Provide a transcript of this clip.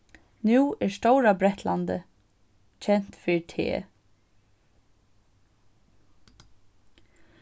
nú er stóra bretlandi kent fyri te